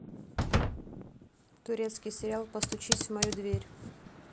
турецкий сериал постучись в мою дверь